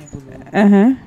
Unhun